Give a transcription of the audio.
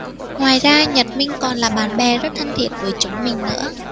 ngoài ra nhật minh còn là bạn bè rất thân thiết với chúng mình nữa